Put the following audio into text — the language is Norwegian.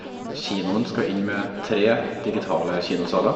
Kinoen skal inn med tre digitale kinosaler.